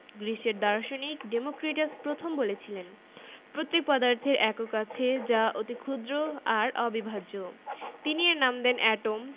গ্রিসের দার্শনিক ডেমোক্রিটাস প্রথম বলেছিলেন প্রত্যেক পদার্থের একক আছে যা অতি ক্ষুদ্র আর অবিভাজ্য তিনি এর নাম দেন এটম